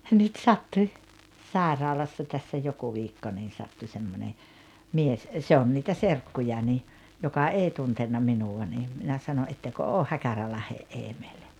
nyt sattui sairaalassa tässä joku viikko niin sattui semmoinen mies se on niitä serkkuja niin joka ei tuntenut minua niin minä sanoi ettekö ole Häkärälahden Eemeli